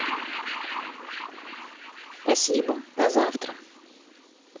спасибо до завтра